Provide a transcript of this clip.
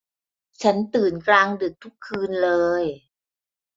ฉันตื่นกลางดึกทุกคืนเลย